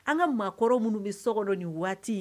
An ka maakɔrɔ minnu bɛ so dɔ nin waati